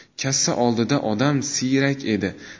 kassa oldida odam siyrak edi